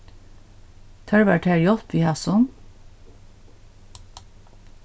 tørvar tær hjálp við hasum